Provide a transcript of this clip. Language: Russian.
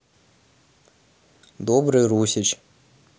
добрый русич